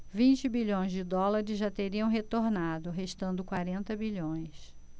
vinte bilhões de dólares já teriam retornado restando quarenta bilhões